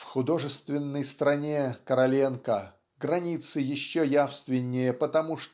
В художественной стране Короленко границы еще явственнее потому